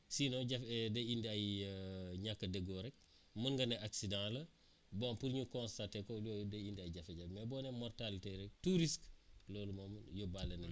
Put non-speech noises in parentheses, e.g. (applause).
sinon jafe day indi ay (hesitation) ñàkk a déggoo rek mun nga ne accident la bon pour ñu constater ko day indi ay jafe-jafe mais boo nee mortalité la rek tous risques loolu moom yóbbaale na